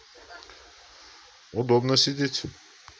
удобно сидеть